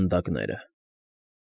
Հանդակները։